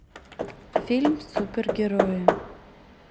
фильм супергерои